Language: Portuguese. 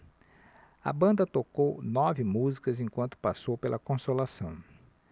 a banda tocou nove músicas enquanto passou pela consolação